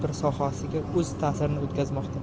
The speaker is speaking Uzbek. bir sohasiga o'z ta'sirini o'tkazmoqda